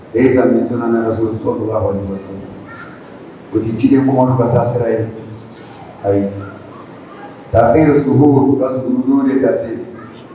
E zan mi sɔrɔ so don ka se o tɛ j bamanan ka taasira ye ayi karisa ye so ka sun don de ta